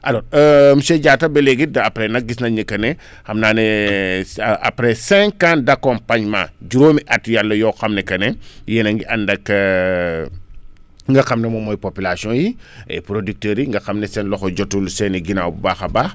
alors monsieur Diatta ba léegi de après nag gis nañ ni que ne xam naa ne après cinq ans :frad' accompagnement juróomi atu yàlla yoo xam ne que :frane yéen a ngi ànd ak ki nga xam ne moom mooy population yi et producteur yi nga xam ne seen loxo jotul seen i ginnaaw bu baax a baax